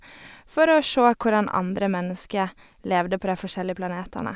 For å sjå hvordan andre mennesker levde på de forskjellige planetene.